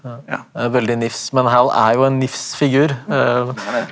ja veldig nifs men Hal er jo en nifs figur .